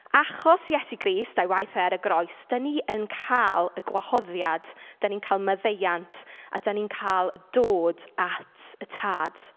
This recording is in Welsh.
Achos Iesu Grist a'i waith e ar y Groes, dan ni yn cael y gwahoddiad, dan ni'n cael maddeuant a dan ni'n cael dod at y Tad.